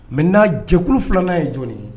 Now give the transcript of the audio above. Maintenant jɛkulu filanan ye jɔnni ye ?